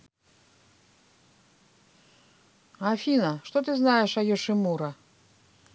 афина что ты знаешь о йошимура